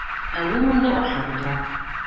Ә ул монда ашап утыра.